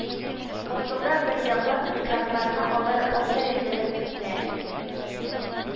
Асылда, бер яклап, мигрантларны алар аз дәрәҗәдә социаль